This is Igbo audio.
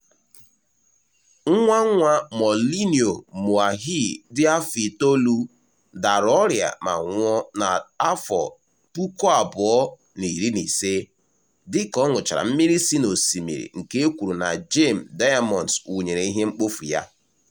Nwa nwa Malineo Moahi dị afọ itoolu dara ọrịa ma nwụọ na 2015 dịka ọ ṅụchara mmiri si n'osimiri nke e kwuru na Gem Diamonds wụnyere ihe mkpofu ya.